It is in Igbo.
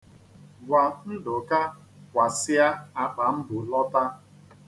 Gwa Ndụka kwasịa akpa m bu lọta.